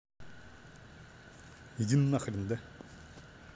иди нахрен да